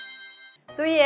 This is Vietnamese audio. tui về